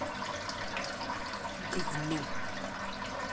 гавно